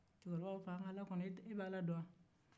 cɛkɔrɔba ko an ka ala kɔnɔn e bɛ ala dɔn wa